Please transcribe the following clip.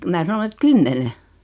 minä sanoin että kymmenen